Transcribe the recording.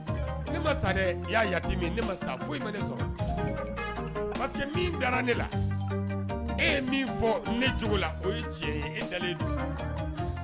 Ne ma y'a ya ne foyi ma ne sɔrɔ ne la e ye fɔ ne la o cɛ ye dalen